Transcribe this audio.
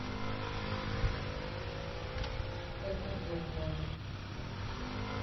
это зеркало